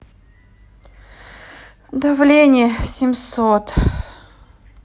давление семьсот